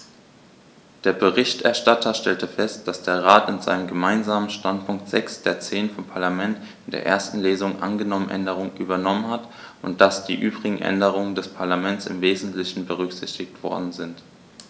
Der Berichterstatter stellte fest, dass der Rat in seinem Gemeinsamen Standpunkt sechs der zehn vom Parlament in der ersten Lesung angenommenen Änderungen übernommen hat und dass die übrigen Änderungen des Parlaments im wesentlichen berücksichtigt worden sind.